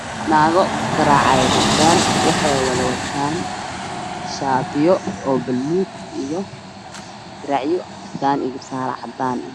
Naaga garaacay gurbaan ay wataan shaatiyo caddaan iyo darac gudug ah